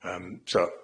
Yym, so.